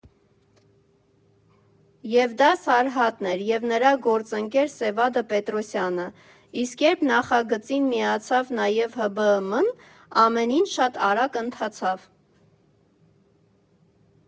Եվ դա Սարհատն էր, և նրա գործընկեր Սևադա Պետրոսյանը։ Իսկ երբ նախագծին միացավ նաև ՀԲԸՄ֊ն, ամեն ինչ շատ արագ ընթացավ։